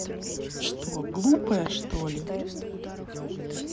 что глупая что ли